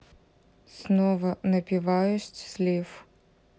снова напиваюсь слив